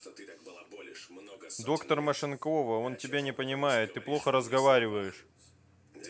доктор машинкова он тебя не понимает ты плохо разговариваешь